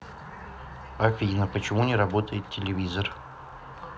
афина почему не работает телевизор